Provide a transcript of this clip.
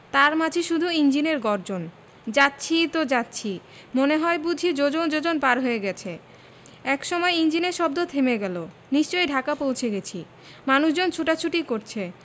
তার মাঝে শুধু ইঞ্জিনের গর্জন যাচ্ছি তো যাচ্ছি মনে হয় বুঝি যোজন যোজন পার হয়ে গেছে একসময় ইঞ্জিনের শব্দ থেমে গেলো নিশ্চয়ই ঢাকা পৌঁছে গেছি মানুষজন ছোটাছুটি করছে